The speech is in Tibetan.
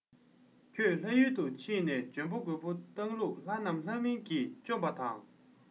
ཁྱོད ལྷ ཡུལ དུ ཕྱིན ནས འཇོན པོ རྒོས པོ བཏང ལུགས ལྷ རྣམས ལྷ མིན གྱིས བཅོམ པ དང